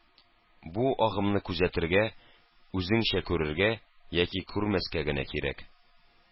Бу агымны күзәтергә, үзеңчә күрергә, яки күрмәскә генә кирәк